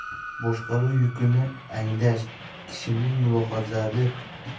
boshqaruv yukini anglash kishining mulohazali ekanini anglatadi